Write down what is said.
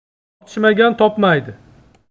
tortishmagan topmaydi